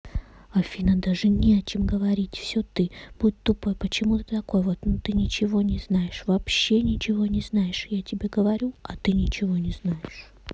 афина даже не о чем говорить все ты будь тупой почему ты такой вот но ты ничего не знаешь вообще ничего не знаешь я тебе говорю а ты ничего не знаешь